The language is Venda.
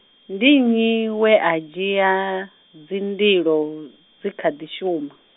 ndi nnyi, wea dzhia, dzinḓilo, dzikhadzi shuma?